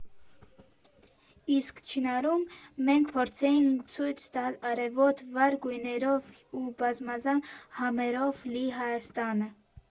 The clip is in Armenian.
Իսկ «Չինարում» մենք փորձեցինք ցույց տալ արևոտ, վառ գույներով ու բազմազան համերով լի Հայաստանը»։